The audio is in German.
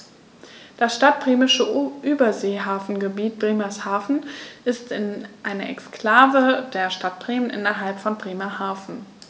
Das Stadtbremische Überseehafengebiet Bremerhaven ist eine Exklave der Stadt Bremen innerhalb von Bremerhaven.